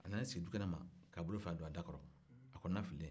a nan'a sigi du kɛnɛma k'a bolo fila don a da kɔrɔ a kɔnɔna fililen